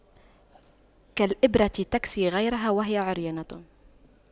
كالإبرة تكسي غيرها وهي عريانة